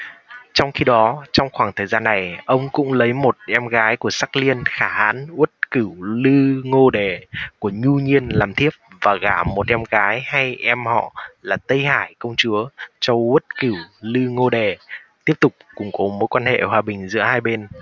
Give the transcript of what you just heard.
trong khi đó trong khoảng thời gian này ông cũng lấy một em gái của sắc liên khả hãn uất cửu lư ngô đề của nhu nhiên làm thiếp và gả một em gái hay em họ là tây hải công chúa cho uất cửu lư ngô đề tiếp tục củng cố mối quan hệ hòa bình giữa hai bên